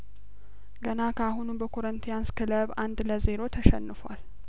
ገና ካሁኑ በኮረንቲያንስ ክለብ አንድ ለዜሮ ተሸንፏል